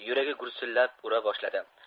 yuragi gursillab ura boshladi